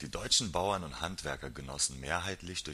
deutschen Bauern und Handwerker genossen mehrheitlich